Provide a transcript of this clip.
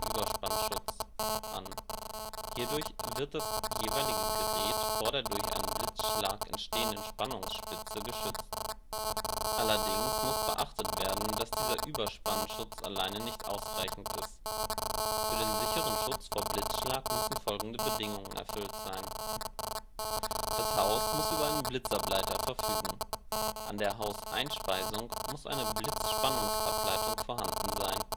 Überspannungsschutz an, hierdurch wird das jeweilige Gerät vor der durch einen Blitzeinschlag entstehenden Spannungsspitze geschützt. Allerdings muss beachtet werden, dass dieser Überspannungsschutz alleine nicht ausreichend ist. Für den sicheren Schutz vor Blitzschlag müssen folgende Bedienungen erfüllt sein: Das Haus muss über einen Blitzableiter verfügen An der Hauseinspeisung muss eine Blitzspannungsableitung vorhanden sein